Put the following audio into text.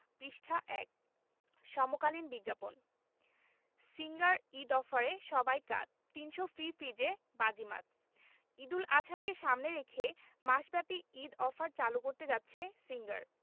পৃষ্ঠা – ১ সমকালীন বিজ্ঞাপন সিঙ্গার ঈদ অফারে সবাই কাত ৩০০ ফ্রি ফ্রিজে বাজিমাত ঈদুল আজহাকে সামনে রেখে মাসব্যাপী ঈদ অফার চালু করতে যাচ্ছে সিঙ্গার